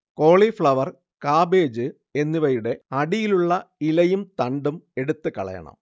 cauliflower, cabbage എന്നിവയുടെ അടിയിലുള്ള ഇലയും തണ്ടും എടുത്തുകളയണം